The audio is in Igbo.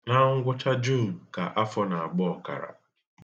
Na ngwụcha Juun ka afọ na-agba ọkara.